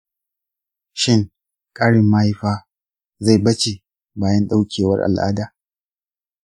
shin ƙarin mahaifa zai bace bayan ɗaukewar al'ada ?